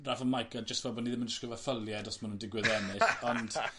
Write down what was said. Rafał Majka jyst fel bod ni ddim yn dishgwl fel ffylied os ma' nw'n digwydd ennill ond